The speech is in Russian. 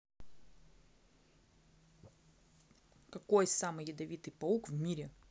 какой самый ядовитый паук в мире